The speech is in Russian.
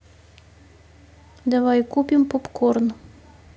давай купим попкорн